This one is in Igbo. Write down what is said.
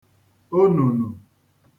onùnù